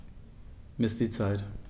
Miss die Zeit.